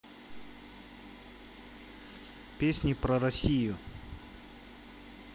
песни про россию